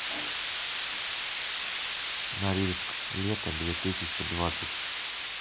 норильск лето две тысячи двадцать